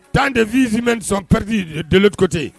Tan de vzime sɔnpriz don cote